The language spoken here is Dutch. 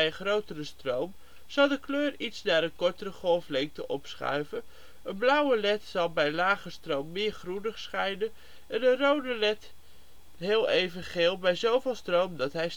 grotere stroom zal de kleur iets naar een kortere golflengte opschuiven, een blauwe led zal bij lage stroom meer groenig schijnen en een rode led wordt (heel even) geel bij zoveel stroom dat hij